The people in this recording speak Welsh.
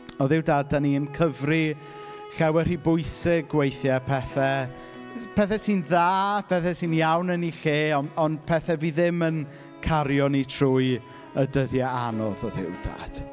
O Dduw dad dan ni'n cyfri llawer rhy bwysig weithiau pethau pethau sy'n dda, pethau sy'n iawn yn eu lle ond ond pethau fydd ddim yn cario ni trwy y dyddiau anodd, o Dduw dad.